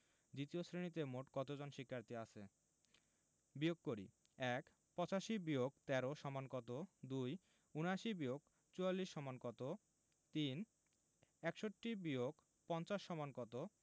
দ্বিতীয় শ্রেণিতে মোট কত জন শিক্ষার্থী আছে বিয়োগ করিঃ ১ ৮৫-১৩ = কত ২ ৭৯-৪৪ = কত ৩ ৬১-৫০ = কত